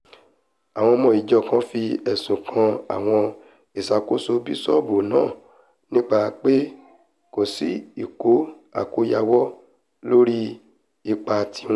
Àwọn ọmọ ìjọ kan fi ẹ̀sùn kàn àwọn ìṣàkóso bisọọbu náa nípa pe kòsí ìkó-àkóyawọ lórí ipa tiwon